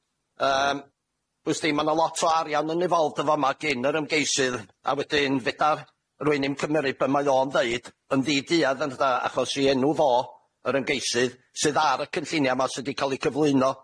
Yym wy's di, ma' 'na lot o arian yn involved yn fa'ma gin yr ymgeisydd, a wedyn fedar r'wun i'm cymyryd be' mae o'n ddeud yn ddiduadd, yn na 'dar? Achos 'i enw fo, yr ymgeisydd, sydd ar y cynllunia' 'ma sy' 'di ca'l 'u cyflwyno.